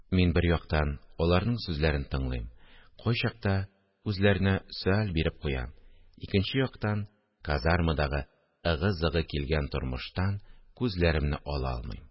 Мин, бер яктан, аларның сүзләрен тыңлыйм, кайчакта үзләренә сөаль биреп куям; икенче яктан, казармадагы ыгы-зыгы килгән тормыштан күзләремне ала алмыйм